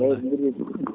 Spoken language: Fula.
bayronndirii